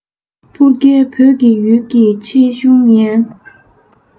པུར རྒྱལ བོད ཀྱི ཡུལ ནི ཁྲེལ གཞུང ངན